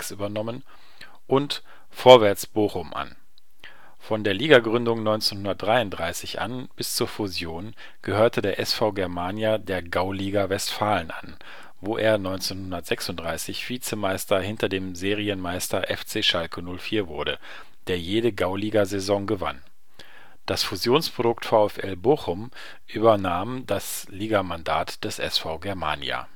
übernommen) und Vorwärts Bochum an. Von der Ligagründung 1933 an bis zur Fusion gehörte der SV Germania der Gauliga Westfalen an, wo er 1936 Vizemeister hinter dem Serienmeister FC Schalke 04 wurde, der jede Gauligasaison gewann. Das Fusionsprodukt VfL Bochum übernahm das Ligamandat des SV Germania